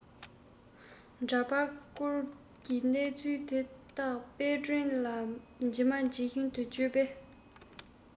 འདྲ པར བསྐོར གྱི གནས ཚུལ དེ དག དཔལ སྒྲོན ལ ཇི མ ཇི བཞིན དུ བརྗོད པས